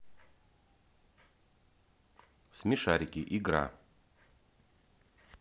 смешарики игра